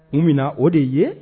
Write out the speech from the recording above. Mun minna na o de ye